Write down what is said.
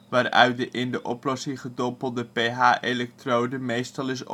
waaruit de in de oplossing gedompelde pH-elektrode meestal is opgebouwd